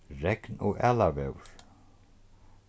regn og ælaveður